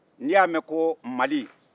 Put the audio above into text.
n'i y'a mɛn ko mali